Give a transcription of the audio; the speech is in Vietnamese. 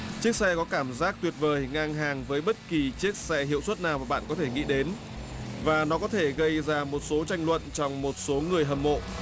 chiếc xe có cảm giác tuyệt vời ngang hàng với bất kỳ chiếc xe hiệu suất nào mà bạn có thể nghĩ đến và nó có thể gây ra một số tranh luận trong một số người hâm mộ